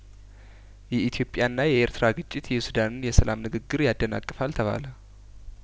የኢትዮጵያ ና የኤርትራ ግጭት የሱዳንን የሰላምንግግር ያደናቅ ፋል ተባለ